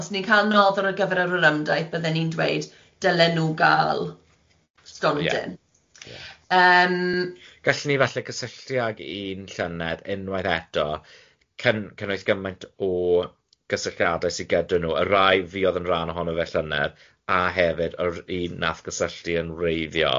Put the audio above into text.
Os ni'n cael noddwr ar gyfer yr orymdaith, bydden ni'n dweud dylen nhw gal stondin ie yym. Gallen ni falle gysylltu ag un llynedd unwaith eto cyn- cynnwys gyment o gysylltiade sydd gyda nhw y rai fi o'dd yn rai o fo llynedd a hefyd yr un nath gysylltu yn wreiddiol